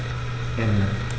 Ende.